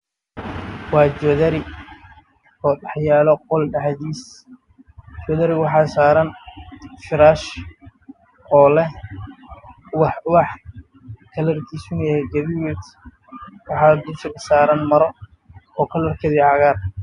Waa qol waxaa yaalo sariir joodari ayaa saaran